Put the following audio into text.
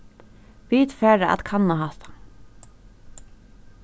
vit fara at kanna hatta